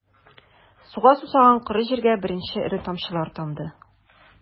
Суга сусаган коры җиргә беренче эре тамчылар тамды...